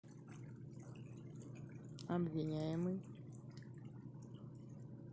обвиняемый